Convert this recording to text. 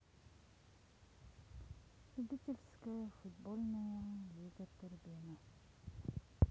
любительская футбольная лига турбина